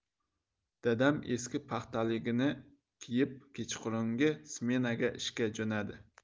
dadam eski paxtaligini kiyib kechqurungi smenaga ishga jo'nadi